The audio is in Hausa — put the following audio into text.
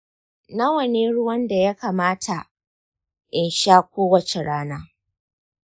nawa ne ruwan da ya kamata in sha kowace rana?